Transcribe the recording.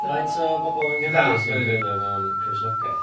Faint o bobl yng Nghymru... Na! ...sy'n coelio mewn Cristnogaeth